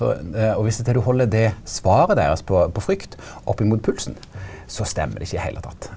og og viss du held det svaret deira på på frykt opp imot pulsen så stemmer det ikkje i heile tatt.